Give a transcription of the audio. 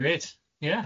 Grêt, ie.